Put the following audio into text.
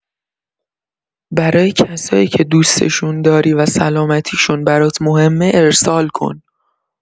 برای کسایی که دوستشون داری و سلامتیشون برات مهمه ارسال کن.